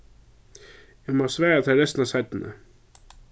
eg má svara tær restina seinni